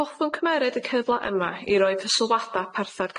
Hoffwn cymeryd y cyfla yma i roi ffysilwada perthau'r